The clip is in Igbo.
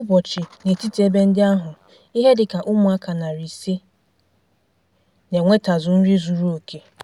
Kwa ụbọchị n'etiti ebe ndị ahụ ihe dị ka ụmụaka 500 na-enwetazu nrị zuru oke.